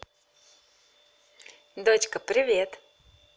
дочка привет